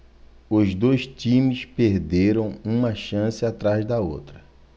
os dois times perderam uma chance atrás da outra